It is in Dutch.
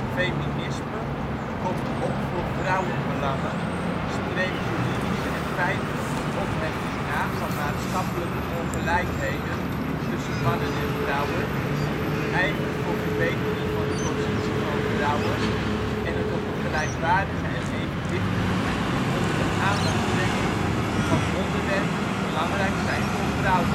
Feminisme komt op voor vrouwenbelangen, streeft juridische en feitelijke opheffing na van maatschappelijke ongelijkheden tussen mannen en vrouwen, ijvert voor verbetering van de positie van vrouwen en het op een gelijkwaardige en evenwichtige manier onder de aandacht brengen van onderwerpen die belangrijk zijn voor